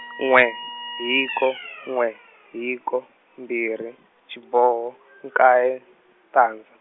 n'we hiko n'we hiko mbirhi xiboho nkaye tandza.